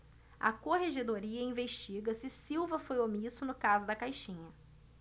a corregedoria investiga se silva foi omisso no caso da caixinha